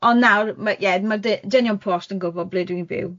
Ond nawr, m- yeah, mae'r dy- dynion post yn gwbod ble dwi'n byw